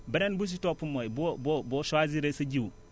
beneen bu si topp mooy boo boo boo choisir sa jiw